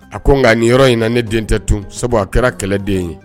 A ko nka nin yɔrɔ in na ne den tɛ tun sabu a kɛra kɛlɛ den ye!